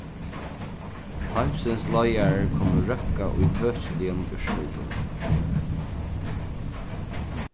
heimsins leiðarar kunnu røkka ítøkiligum úrslitum